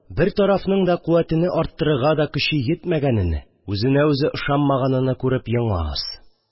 Бер тарафның да куәтене арттырырга да көче йитмәгәнене – үзенә үзе ышанмаганыны күреп еглаңыз!